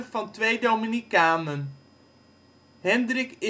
van twee dominicanen. Hendrik Istitoris